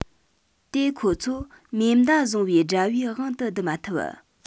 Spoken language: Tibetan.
དེ ཁོ ཚོ མེ མདའ བཟུང བའི དགྲ བོས དབང དུ བསྡུ མ ཐུབ